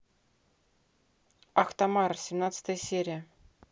ахтамар семнадцатая серия